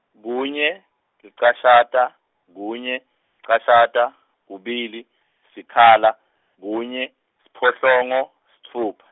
kunye, licashata, kunye, licashata, kubili, sikhala, kunye, siphohlongo, sitfupha.